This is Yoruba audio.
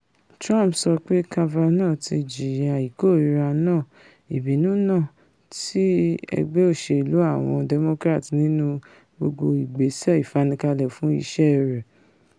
Trump sọ pé Kavanaugh ti ''jìya ìkórìíra náà, ìbínú náà'' ti Ẹgbẹ́ Òṣèlú Àwọn Democrat nínú gbogbo ìgbésẹ̀ ìfanikalẹ̀ fún iṣẹ́ rẹ̀.